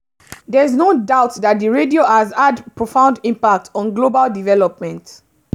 There is no doubt that the radio has had a profound impact on global development.